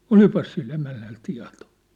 olipas sillä emännällä tietoa